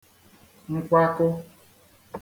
nkwakụ